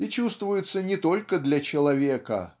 И чувствуется не только для человека